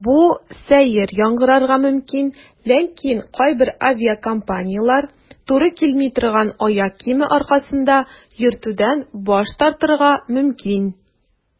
Бу сәер яңгырарга мөмкин, ләкин кайбер авиакомпанияләр туры килми торган аяк киеме аркасында йөртүдән баш тартырга мөмкин.